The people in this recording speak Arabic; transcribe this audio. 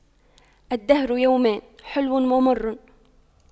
الدهر يومان حلو ومر